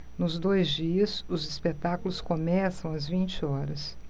nos dois dias os espetáculos começam às vinte horas